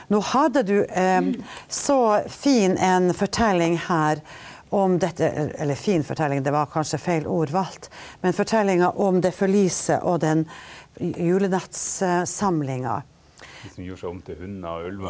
nå hadde du så fin en fortelling her om dette, eller fin fortelling, det var kanskje feil ord valgt, men fortellinga om det forliset og den julenattssamlinga.